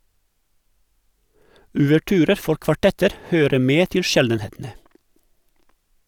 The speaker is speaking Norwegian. Ouverturer for kvartetter hører med til sjeldenhetene.